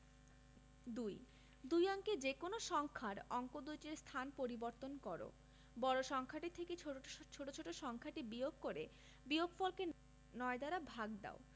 ২ দুই অঙ্কের যেকোনো সংখ্যার অঙ্ক দুইটির স্থান পরিবর্তন কর বড় সংখ্যাটি থেকে ছোট ছোট সংখ্যাটি বিয়োগ করে বিয়োগফলকে ৯ দ্বারা ভাগ দাও